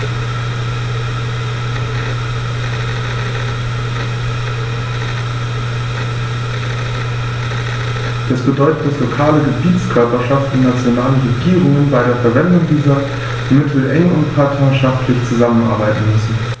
Das bedeutet, dass lokale Gebietskörperschaften und nationale Regierungen bei der Verwendung dieser Mittel eng und partnerschaftlich zusammenarbeiten müssen.